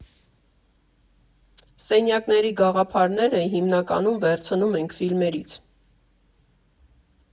Սենյակների գաղափարները հիմնականում վերցնում ենք ֆիլմերից.